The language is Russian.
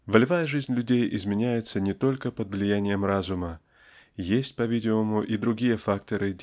Волевая жизнь людей изменяется не только под влиянием разума. Есть по-видимому и другие факторы